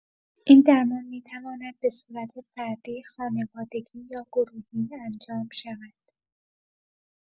این درمان می‌تواند به‌صورت فردی، خانوادگی یا گروهی انجام شود.